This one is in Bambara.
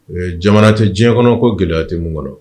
Jamana tɛ diɲɛ kɔnɔ ko gɛlɛyatɛ mun kɔnɔ